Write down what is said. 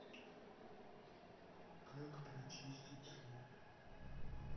как прочистить слив